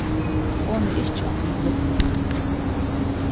hon er ikki á mínum lista